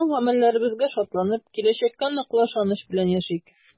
Кылган гамәлләребезгә шатланып, киләчәккә ныклы ышаныч белән яшик!